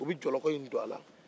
u be jɔlɔkɔ in don a la